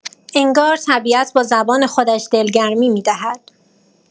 انگار طبیعت با زبان خودش دلگرمی می‌دهد.